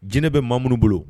Jinɛ bɛ maa minnu bolo